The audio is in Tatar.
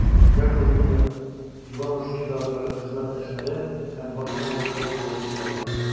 Яковлевны «Иванушки»дагы хезмәттәшләре һәм башка музыкантлар искә ала.